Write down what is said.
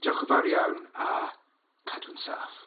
Diolch yn fawn iawn a cadw'n saff.